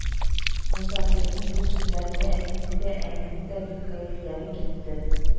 Мөсафирнең бу сүзләренә әтинең дә, әнинең дә бик кәефләре китте: